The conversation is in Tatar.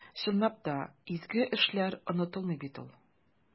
Чынлап та, изге эшләр онытылмый бит ул.